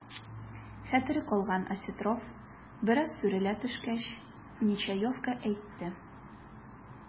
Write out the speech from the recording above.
Хәтере калган Осетров, бераз сүрелә төшкәч, Нечаевка әйтте: